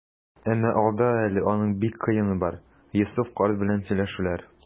Әмма алда әле аның бик кыены бар - Йосыф карт белән сөйләшүләр.